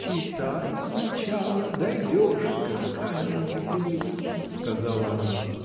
— Читай с начала — дойдешь: какая нетерпеливая! — сказала она.